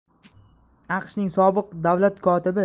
aqshning sobiq davlat kotibi